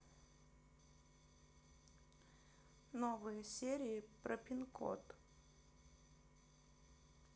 новые серии про пин код